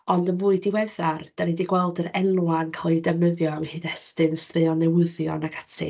Ond yn fwy diweddar, dan ni 'di gweld yr enwau yn cael eu defnyddio yng nghyd-destun straeon newyddion ac ati.